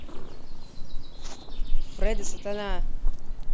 fredo сатана